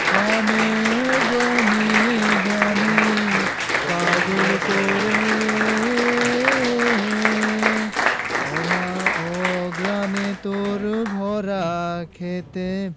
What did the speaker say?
আমের বনে ঘ্রাণে পাগল করে ওমা অঘ্রানে তোর ভরা ক্ষেতে